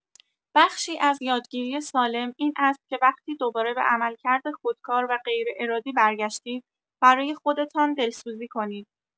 بخشی از یادگیری سالم این است که وقتی دوباره به عملکرد خودکار و غیرارادی برگشتید، برای خودتان دلسوزی کنید.